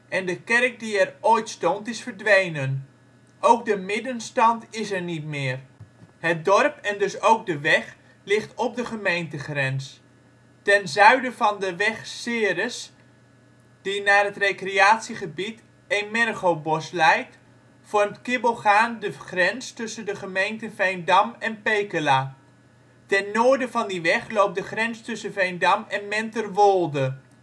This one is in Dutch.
en de kerk die er ooit stond is verdwenen. Ook de middenstand is er niet meer. Het dorp en dus ook de weg ligt op de gemeentegrens. Ten zuiden van de weg Ceres, die naar het recreatiegebied Emergobos leidt, vormt Kibbelgaarn de grens tussen de gemeenten Veendam en Pekela. Ten noorden van die weg loopt de grens tussen Veendam en Menterwolde